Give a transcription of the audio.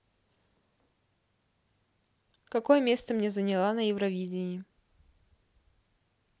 какое место мне заняла на евровидении